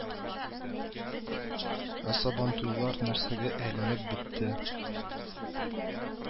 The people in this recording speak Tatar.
Ә Сабантуйлар нәрсәгә әйләнеп бетте